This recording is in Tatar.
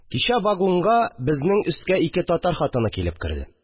Кичә вагонга, безнең өсткә ике татар хатыны килеп керд